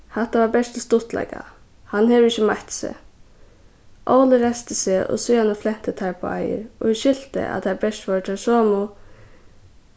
hatta var bert til stuttleika hann hevur ikki meitt seg óli reisti seg og síðani flentu teir báðir og eg skilti at teir bert vóru teir somu